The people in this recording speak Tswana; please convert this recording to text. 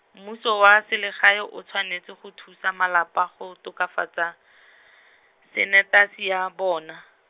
mmuso wa selegae o tshwanetse go thusa malapa go tokafatsa , sanetasi ya bona.